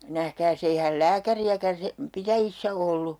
nähkääs eihän lääkäriäkään - pitäjissä ollut